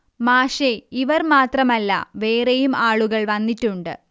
മാഷെ ഇവർ മാത്രമല്ല വേറെയും ആളുകൾ വന്നിട്ടുണ്ട്